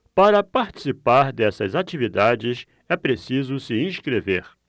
para participar dessas atividades é preciso se inscrever